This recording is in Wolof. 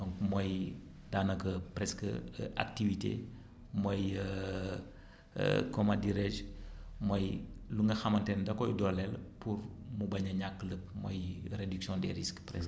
donc mooy daanaka presque activité mooy comment dirais je mooy lu nga xamante ni da koy dooleel pour mu bañ a ñàkk lépp mooy réduction des risques